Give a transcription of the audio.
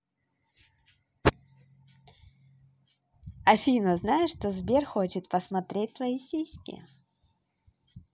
афина знаешь что сбер хочет посмотреть твои сиськи